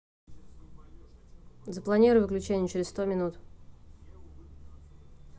запланируй выключение через сто минут